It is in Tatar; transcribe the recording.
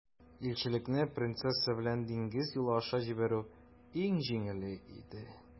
Илчелекне принцесса белән диңгез юлы аша җибәрү иң җиңеле иде.